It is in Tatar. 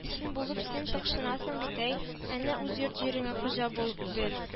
– син булып син тыкшынасың бит, әй! әнә, үз йорт-җиреңә хуҗа була бел